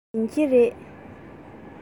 ཡིན གྱི རེད